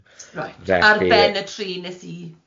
Reit- Felly- ar ben y tri wnes i .